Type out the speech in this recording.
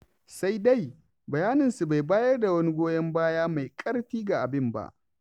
Sai dai, bayaninsu bai bayar da wani goyon baya mai ƙarfi ga abin ba: